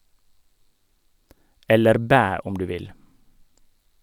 Eller bæ om du vil.